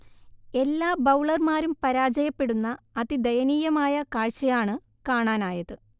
എല്ലാ ബൗളർമാരും പരാജയപ്പെടുന്ന അതിദയനീയമായ കാഴ്ചയാണ് കാണാനായത്